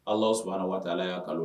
Alllahu subahanahu wa taala y'a